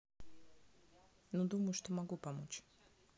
ну думаю что могу помочь